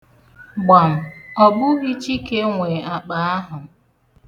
Gbam! ọbụghị Chike nwe akpa ahụ.